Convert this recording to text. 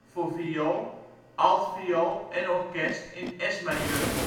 viool, altviool en orkest in Es majeur